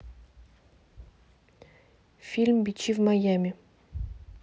фильм бичи в майями